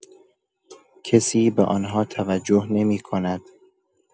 کسی به آن‌ها توجه نمی‌کند.